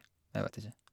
Jeg vet ikke.